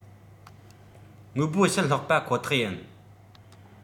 དངོས པོ ཕྱིར སློག པ ཁོ ཐག ཡིན